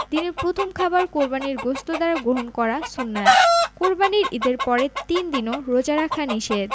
দিনের প্রথম খাবার কোরবানির গোশত দ্বারা গ্রহণ করা সুন্নাত কোরবানির ঈদের পরের তিন দিনও রোজা রাখা নিষেধ